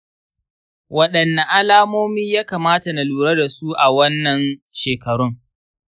waɗanne alamomi ya kamata na lura da su a wannan shekarun?